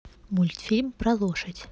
мультфильм про лошадь